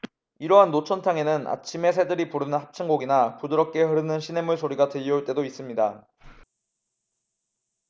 이러한 노천탕에는 아침에 새들이 부르는 합창곡이나 부드럽게 흐르는 시냇물 소리가 들려올 때도 있습니다